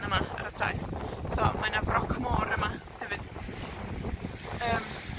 yma, ar y traeth, So, mae 'na froc môr yma, hefyd. Yym.